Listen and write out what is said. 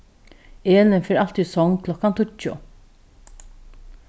elin fer altíð í song klokkan tíggju